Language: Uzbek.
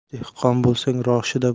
dehqon bo'lsang roshida